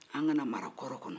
an ka na mara kɔrɔ kɔnɔ